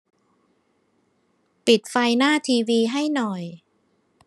ปิดไฟหน้าทีวีให้หน่อย